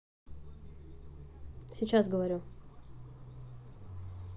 сейчас говорю